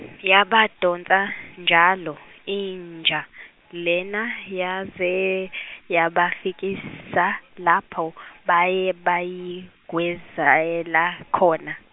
yabadonsa njalo inja lena yaze yabafikisa lapho baye bayigwazela khona.